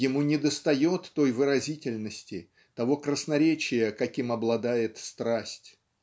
Ему недостает той выразительности того красноречия каким обладает страсть.